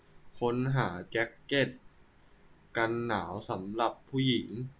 ค้นหาแจ๊กเก็ตกันหนาวสำหรับผู้หญิง